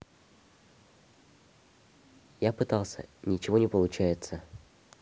я пытался ничего не получается